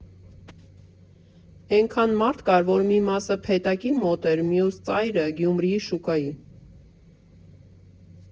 Էնքան մարդ կար, որ մի մասը «Փեթակի» մոտ էր, մյուս ծայրը՝ գումի շուկայի։